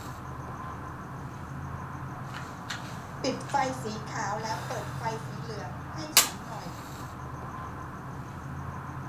ปิดไฟสีขาวแล้วเปิดไฟสีเหลืองให้ฉันหน่อย